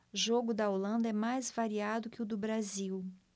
jogo da holanda é mais variado que o do brasil